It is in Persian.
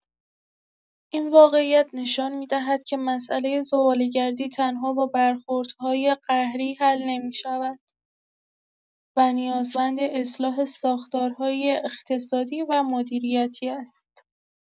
این واقعیت نشان می‌دهد که مسئله زباله‌گردی تنها با برخوردهای قهری حل نمی‌شود و نیازمند اصلاح ساختارهای اقتصادی و مدیریتی است.